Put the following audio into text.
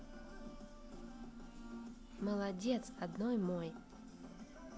молодец одной мой